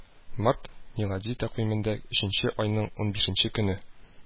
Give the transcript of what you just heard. Март – милади тәкъвимендә өченче айның унбишенче көне